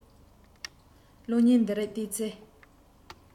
གློག བརྙན འདི རིགས བལྟས ཚེ